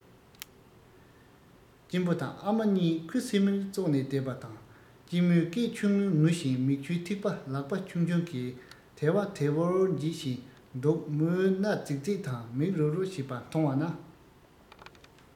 གཅེན པོ དང ཨ མ གཉིས ཁུ སིམ མེར ཙོག ནས བསྡད པ དང གཅེན མོས སྐད ཆུང ངུས ངུ བཞིན མིག ཆུའི ཐིགས པ ལག པ ཆུང ཆུང གིས དལ བ དལ བུར འབྱིད བཞིན འདུག མོས སྣ རྫིག རྫིག དང མིག རུབ རུབ བྱེད པ མཐོང བ ན